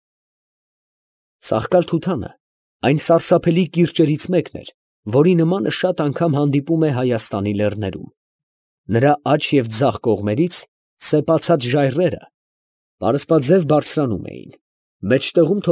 Սախկալ֊Թութանը այն սարսափելի կիրճերից մեկն էր, որի նմանը շատ անգամ հանդիպում է Հայաստանի լեռներում. նրա աջ և ձախ կողմերից սեպացած ժայռերը պարսպաձև բարձրանում էին, մեջտեղում։